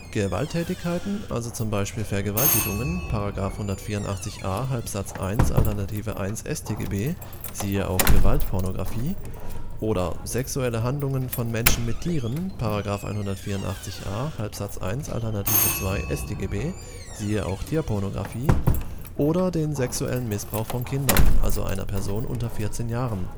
Gewalttätigkeiten, also z. B. Vergewaltigungen, (§ 184a Halbsatz 1 Alternative 1 StGB, siehe auch Gewaltpornografie) oder sexuelle Handlungen von Menschen mit Tieren, (§ 184a Halbsatz 1 Alternative 2 StGB, siehe auch Tierpornografie) oder den sexuellen Missbrauch von Kindern, also einer Person unter 14 Jahren